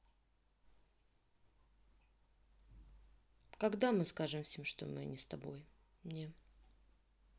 когда мы скажи всем чтобы не с тобой не